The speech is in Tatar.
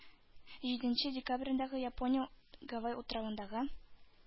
Җиденче декабрендә япония гавай утравындагы